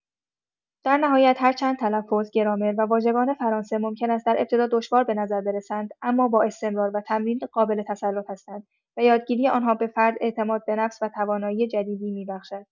در نهایت، هرچند تلفظ، گرامر و واژگان فرانسه ممکن است در ابتدا دشوار به نظر برسند، اما با استمرار و تمرین قابل تسلط هستند و یادگیری آنها به فرد اعتماد به نفس و توانایی جدیدی می‌بخشد.